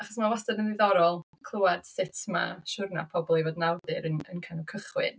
Achos mae o wastad yn ddiddorol clywed sut ma' siwrne pobl i fod yn awdur yn kind of cychwyn.